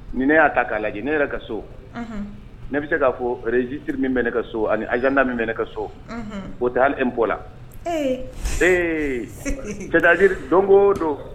Ni ne y'a ta k'a lajɛ ne yɛrɛ ka so ne bɛ se k'a fɔ zisiriri min bɛ ne ka so ani azda min bɛ ka so o tɛ hali e bɔ la ee katajiri don'o don